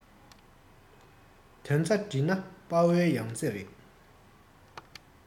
དོན རྩ བསྒྲིལ ན དཔལ བོའི ཡང རྩེ རེད